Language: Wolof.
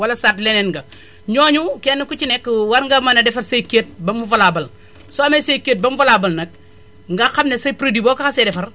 wala soit leneen nga ñooñu kenn ku ci nekk war nga mën a defar say kayit ba mu valable soo amee say kayit ba mu valable nag nga xam ne say produit boo ko xasee defar